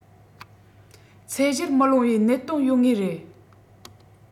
ཚད གཞིར མི ལོངས པའི གནད དོན ཡོད ངེས རེད